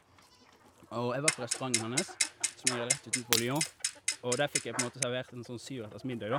Og jeg var på restauranten hans, som ligger rett utenfor Lyon, og der fikk jeg på en måte servert en sånn syvretters middag, da.